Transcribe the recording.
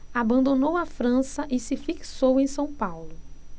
abandonou a frança e se fixou em são paulo